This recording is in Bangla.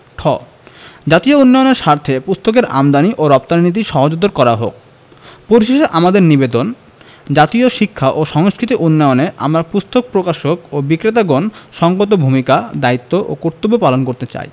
ঠ জাতীয় উন্নয়নের স্বার্থে পুস্তকের আমদানী ও রপ্তানী নীতি সহজতর করা হোক পরিশেষে আমাদের নিবেদন জাতীয় শিক্ষা ও সংস্কৃতি উন্নয়নে আমরা পুস্তক প্রকাশক ও বিক্রেতাগণ সঙ্গত ভূমিকা দায়িত্ব ও কর্তব্য পালন করতে চাই